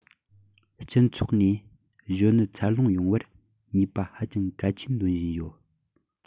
སྤྱི ཚོགས ནས གཞོན ནུ འཚར ལོངས ཡོང བར ནུས པ ཧ ཅང གལ ཆེན འདོན བཞིན ཡོད